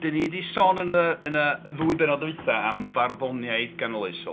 Dan ni 'di sôn yn y... yn y ddwy bennod ddwytha am farddoniaeth ganoloesol.